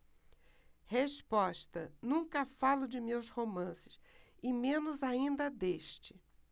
resposta nunca falo de meus romances e menos ainda deste